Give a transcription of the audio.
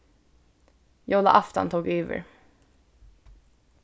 jólaaftan tók yvir